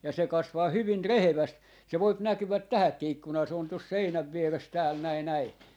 ja se kasvaa hyvin rehevästi se voi näkyä tähänkin ikkunaan se on tuossa seinän vieressä täällä näin näin